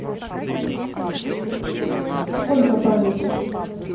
сколько памяти